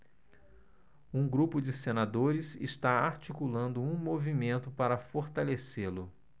um grupo de senadores está articulando um movimento para fortalecê-lo